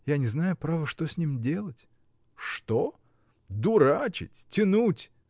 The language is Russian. Я не знаю, право, что с ним делать. — Что? Дурачить, тянуть.